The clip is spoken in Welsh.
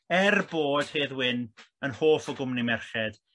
er bod Hedd Wyn yn hoff o gwmni merched